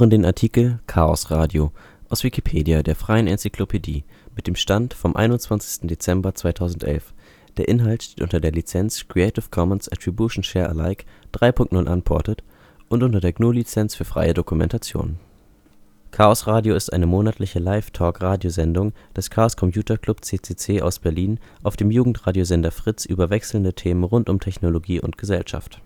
den Artikel Chaosradio, aus Wikipedia, der freien Enzyklopädie. Mit dem Stand vom Der Inhalt steht unter der Lizenz Creative Commons Attribution Share Alike 3 Punkt 0 Unported und unter der GNU Lizenz für freie Dokumentation. Logo Chaosradio ist eine monatliche Live-Talk-Radiosendung des Chaos Computer Club (CCC) aus Berlin auf dem Jugendradiosender Fritz über wechselnde Themen rund um Technologie und Gesellschaft